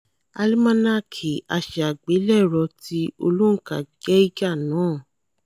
Álimánáàkì Aṣàgbélẹ̀rọ́ ti Olóǹka Geiger náà